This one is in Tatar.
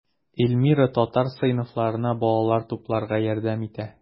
Эльмира татар сыйныфларына балалар тупларга ярдәм итә.